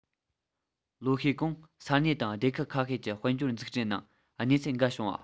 ལོ ཤས གོང ས གནས དང སྡེ ཁག ཁ ཤས ཀྱི དཔལ འབྱོར འཛུགས སྐྲུན ནང གནས ཚུལ འགའ བྱུང བ